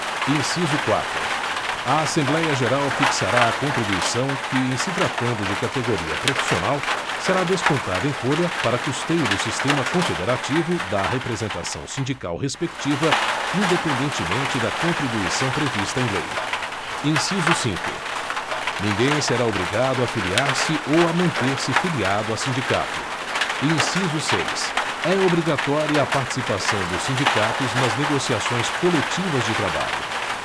inciso quatro a assembléia geral fixará a contribuição que em se tratando de categoria profissional será descontada em folha para custeio do sistema confederativo da representação sindical respectiva independentemente da contribuição prevista em lei inciso cinco ninguém será obrigado a filiar se ou a manter se filiado a sindicato inciso seis é obrigatória a participação dos sindicatos nas negociações coletivas de trabalho